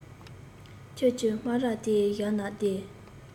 ཁྱོད ཀྱི སྨ ར དེ གཞར ན བདེ